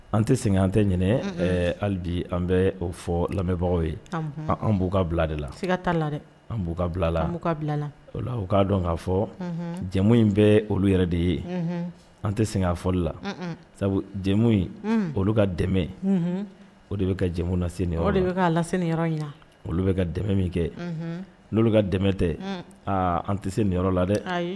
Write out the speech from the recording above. An tɛ segin an tɛ ɲini hali bi an bɛ o fɔ lamɛnbagaw ye an b' ka bila de laiga la dɛ an b' ka bilalala o o k'a dɔn kaa fɔ jamu in bɛ olu yɛrɛ de ye an tɛ segin a fɔli la sabu in olu ka dɛmɛ o de bɛ ka jɛmu na sen o de layɔrɔ olu bɛ ka dɛmɛ min kɛ n' ka dɛmɛ tɛ aa an tɛ se ninyɔrɔ la dɛ